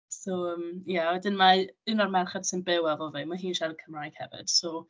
So, yym, ie a wedyn mae un o'r merched sy'n byw efo fi, ma' hi'n siarad Cymraeg hefyd, so...